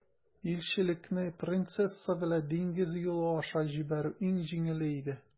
Илчелекне принцесса белән диңгез юлы аша җибәрү иң җиңеле иде.